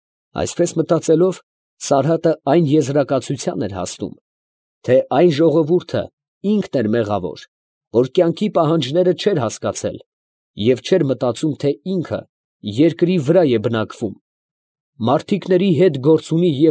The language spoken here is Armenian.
Այսպես մտածելով, Սարհատը այն եզրակացության էր հասնում, թե այն ժողովուրդը ինքն էր մեղավոր, որ կյանքի պահանջները չէր հասկացել և չէր մտածում թե ինքը երկրի վրա է բնակվում, մարդիկների հետ գործ ունի և։